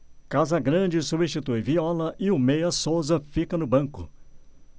casagrande substitui viola e o meia souza fica no banco